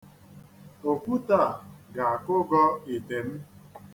Okwute a ga-akụgọ ite m.